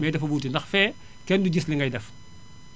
mais dafa wuute ndax fee kenn du gis li ngay def